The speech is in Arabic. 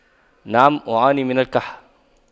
نعم أعاني من الكح